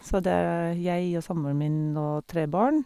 Så det er jeg og samboeren min og tre barn.